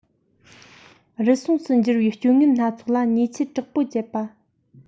རུལ སུངས སུ འགྱུར བའི སྤྱོད ངན སྣ ཚོགས ལ ཉེས ཆད དྲག པོ བཅད པ